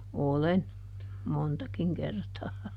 olen montakin kertaa